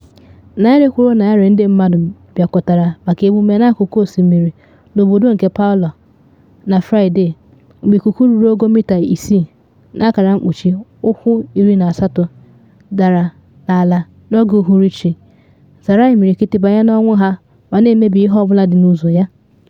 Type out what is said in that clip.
Narị kwụrụ narị ndị mmadụ bịakọtara maka emume n’akụkụ osimiri n’obodo nke Palu na Fraịde mgbe ikuku ruru ogo mita isii (ụkwụ 18) dara n’ala n’oge uhuruchi, zara imirikiti banye n’ọnwụ ha ma na emebi ihe ọ bụla dị n’ụzọ ya.